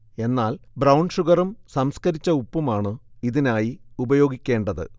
എന്നാൽ ബ്രൌൺ ഷുഗറും സംസ്കരിച്ച ഉപ്പുമാണ് ഇതിനായി ഉപയോഗിക്കേണ്ടത്